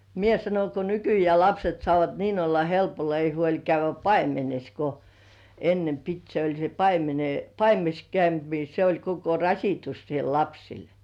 minä sanon kun nykyään lapset saavat niin olla helpolla ei huoli käydä paimenessa kun ennen piti se oli se - paimenessa käynti niin se oli koko rasitus siellä lapsille